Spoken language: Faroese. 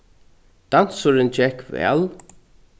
dansurin gekk væl